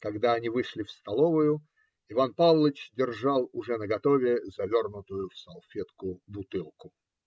Когда они вышли в столовую, Иван Павлыч держал уже наготове завернутую в салфетку бутылку.